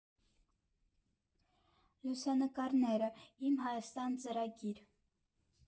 Լուսանկարները՝ «Իմ Հայաստան» ծրագիր։